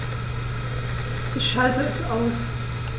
Ich schalte es aus.